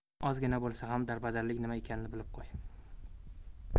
ozgina bo'lsa ham darbadarlik nima ekanini bilib qo'y